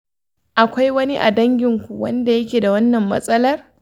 akwai wani a dangin ku wanda yake da wannan matsalar.